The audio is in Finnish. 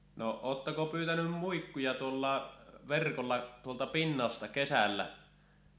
no oletteko pyytänyt muikkuja tuolla verkolla tuolta pinnasta kesällä